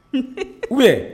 Unhun bɛ